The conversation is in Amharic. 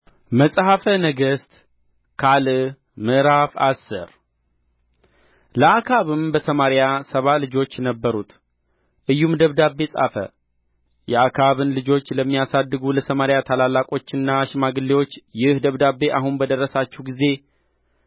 መጽሐፈ ነገሥት ካልዕ ምዕራፍ አስር ለአክዓብም በሰማርያ ሰባ ልጆች ነበሩት ኢዩም ደብዳቤ ጻፈ የአክዓብን ልጆች ለሚያሳድጉ ለሰማርያ ታላላቆችና ሽማግሌዎች ይህ ደብዳቤ አሁን በደረሳችሁ ጊዜ